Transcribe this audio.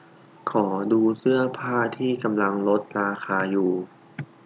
ขอดูเสื้อผ้าที่กำลังลดราคาอยู่